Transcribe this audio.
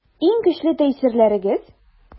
Иң көчле тәэсирләрегез?